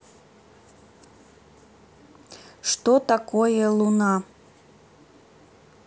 что такое луна